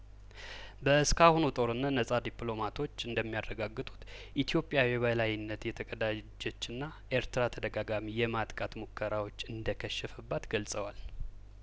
በእስካሁኑ ጦርነት ነጻ ዲፕሎማቶች እንደሚያረጋግጡት ኢትዮጵያ የበላይነት የተቀዳጀችና ኤርትራ ተደጋጋሚ የማጥቃት ሙከራዎች እንደከሸፈባት ገልጸዋል